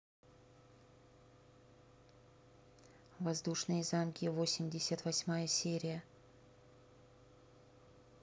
воздушные замки восемьдесят восьмая серия